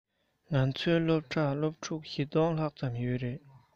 ང ཚོའི སློབ གྲྭར སློབ ཕྲུག ༤༠༠༠ ལ ལྷག ཙམ ཡོད རེད